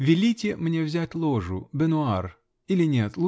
Велите мне взять ложу -- бенуар -- или нет.